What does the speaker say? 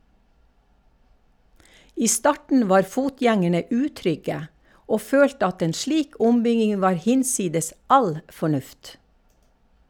I starten var fotgjengerne utrygge og følte at en slik ombygging var hinsides all fornuft.